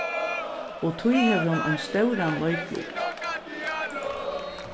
og tí hevur hon ein stóran leiklut